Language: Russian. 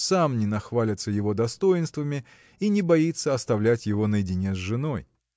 сам не нахвалится его достоинствами и не боится оставлять его наедине с женой.